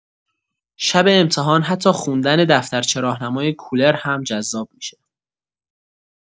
شب امتحان حتی خوندن دفترچه راهنمای کولر هم جذاب می‌شه.